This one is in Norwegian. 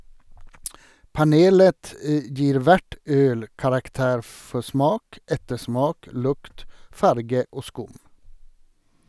Panelet gir hvert øl karakter for smak, ettersmak, lukt, farge og skum.